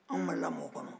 an ma lamɔɔ o kɔnɔ